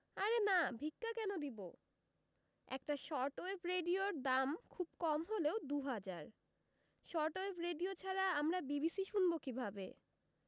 আরে না ভিক্ষা কেন দিব একটা শর্ট ওয়েভ রেডিওর দাম খুব কম হলেও দু হাজার শর্ট ওয়েভ রেডিও ছাড়া আমরা বিবিসি শুনব কিভাবে